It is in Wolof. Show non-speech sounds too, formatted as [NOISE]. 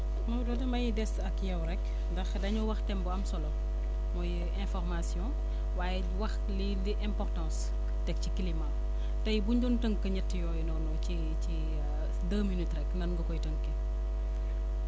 Maodo damay des ak yow rek ndax dañu wax thème bu am solo muy information [BREATH] waaye wax lii li importance teg ci climat tey bu ñu doon tënk ñett yooyu noonu ci ci ci [HESITATION] deux minutes !fra rek nan nga koy tënkee